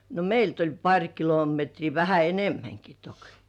no meiltä oli pari kilometriä vähän enemmänkin toki